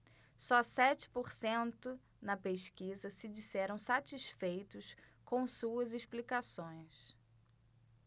só sete por cento na pesquisa se disseram satisfeitos com suas explicações